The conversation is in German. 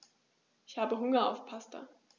Ich habe Hunger auf Pasta.